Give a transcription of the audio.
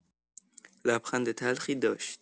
لبخند تلخی داشت.